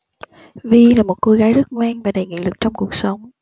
vi là một cô gái rất ngoan và đầy nghị lực trong cuộc sống